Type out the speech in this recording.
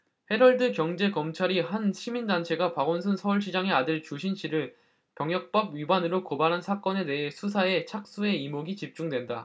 헤럴드경제 검찰이 한 시민단체가 박원순 서울시장의 아들 주신 씨를 병역법 위반으로 고발한 사건에 대해 수사에 착수해 이목이 집중된다